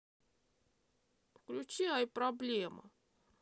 включи ай проблема